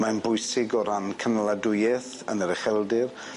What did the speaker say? Mae'n bwysig o ran cynaladwyeth yn yr ucheldir.